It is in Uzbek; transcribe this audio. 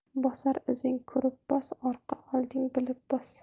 bosar izing ko'rib bos orqa olding bilib bos